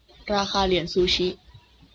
ราคาเหรียญซูชิ